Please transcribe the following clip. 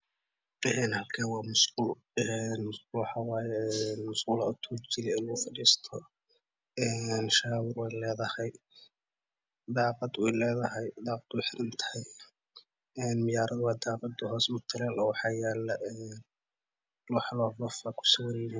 Een halkan waamusqulwaye Eenmusqulo tunjilagufaristo Een shawareyledahay daqadweyledahay daqadweyxirantahay Een murayadwaye daqada mutalelwaxa yaalo Een wax